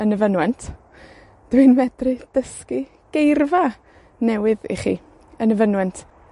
Yn y fynwent. Dwi'n medru dysgu geirfa newydd i chi, yn y fynwent.